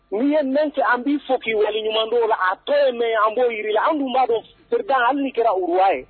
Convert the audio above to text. N ye mɛn cɛ an b'i fo k'i wale ɲuman dɔw a to ye mɛ an b'o jira an b'a dɔn walasa ani kɛraurawa ye